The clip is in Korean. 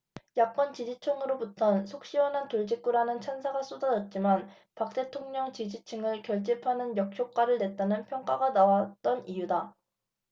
야권 지지층으로부턴 속시원한 돌직구라는 찬사가 쏟아졌지만 박 대통령 지지층을 결집하는 역효과를 냈다는 평가가 나왔던 이유다